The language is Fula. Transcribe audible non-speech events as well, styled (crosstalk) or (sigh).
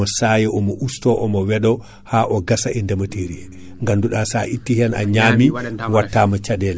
eyyi établissement Kane et fils non kañum ƴewata relais ji totta relais ji ɗi bele ina wawa (breath) hebninde ɗum reemoɓeɓe